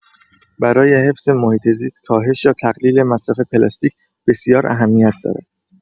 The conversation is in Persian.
برای حفظ محیط‌زیست، کاهش یا تقلیل مصرف پلاستیک بسیار اهمیت دارد.